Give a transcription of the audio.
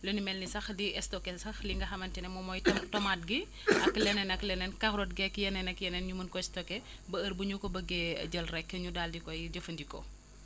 li nu mel ni sax di stocké sax li nga xamante ni moom mooy tom tomate gi ak leneen al leneen carotte geek yeneen ak yeneen énu mën ko stocké ba heure bu ñu ko bëggee jël rek ñu daal di koy jëfandikoo